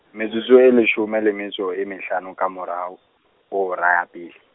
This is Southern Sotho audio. metsotso e leshome le metso e mehlano ka morao, ho hora ya pele.